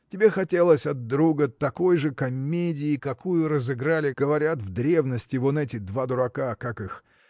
– тебе хотелось от друга такой же комедии какую разыграли говорят в древности вон эти два дурака. как их?